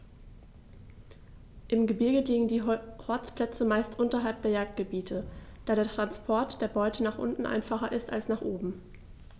Im Gebirge liegen die Horstplätze meist unterhalb der Jagdgebiete, da der Transport der Beute nach unten einfacher ist als nach oben.